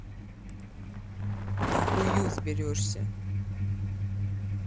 на хую взберешься